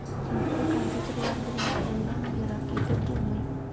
Иске компьютерлар белән әллә ни ерак китеп булмый.